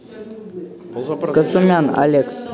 касумян алекс